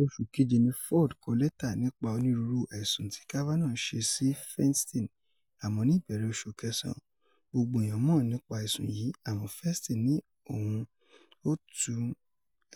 Oṣù keje ni Ford kọ lẹ́tà nípa onírúurú ẹ̀sùn tí Kavanaugh ṣè sí Feinstein, àmọ́ ní ìbẹ̀rẹ̀ oṣù kẹsàn-án, gbogbo èèyàn mọ̀ nípa ẹ̀sùn yí àmọ́ Feinstein ní òun ‘ò tú